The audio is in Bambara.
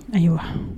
Ayiwa